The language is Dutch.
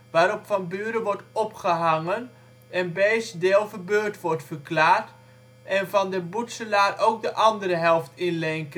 waarop van Buren wordt opgehangen en Beesd 's deel verbeurd wordt verklaard en Van den Boetzelaer ook de andere helft in leen